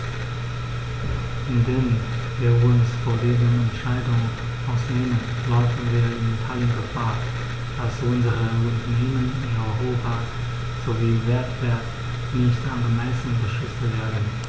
Indem wir uns von dieser Entscheidung ausnehmen, laufen wir in Italien Gefahr, dass unsere Unternehmen in Europa sowie weltweit nicht angemessen geschützt werden.